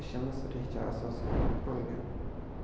ishimiz reja asosiga qurilgan